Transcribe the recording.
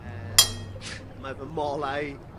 Yym... ...mae fy mola i